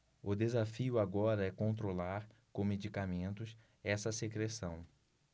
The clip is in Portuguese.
o desafio agora é controlar com medicamentos essa secreção